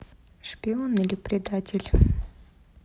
шпион или предатель